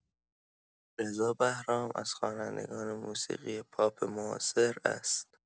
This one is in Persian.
رضا بهرام از خوانندگان موسیقی پاپ معاصر است.